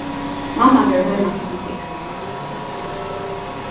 mamma verður heima klokkan seks